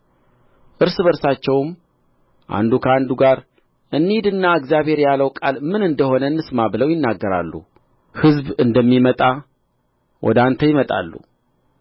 እርስ በርሳቸውም አንዱ ከአንዱ ጋር እንሂድና እግዚአብሔር ያለው ቃል ምን እንደ ሆነ እንስማ ብለው ይናገራሉ ሕዝብ እንደሚመጣ ወደ አንተ ይመጣሉ